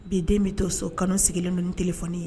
Bi den bɛ to so kanu sigilen don tɛ fɔ ye